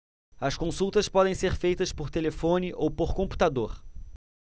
as consultas podem ser feitas por telefone ou por computador